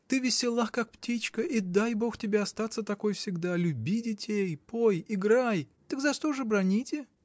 Ты весела, как птичка, и дай Бог тебе остаться такой всегда, люби детей, пой, играй. — Так за что же браните?